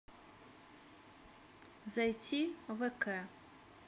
зайти в вк